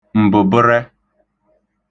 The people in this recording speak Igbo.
m̀bə̣̀bə̣rẹ